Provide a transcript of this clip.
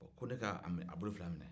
ko ne ka bolo fila minɛ